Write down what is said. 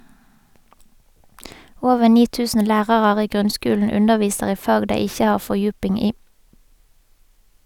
Over ni tusen lærarar i grunnskulen underviser i fag dei ikkje har fordjuping i.